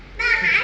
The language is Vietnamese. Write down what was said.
ba hải